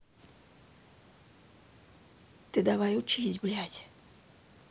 ты давай учись блять